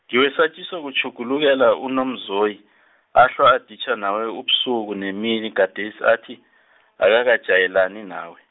ngiwesatjiswa kutjhugulukela uNomzoyi, ahlwa aditjha nawe ubusuku nemini gadesi athi , akakajayelani nawe.